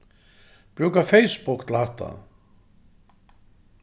brúka facebook til hatta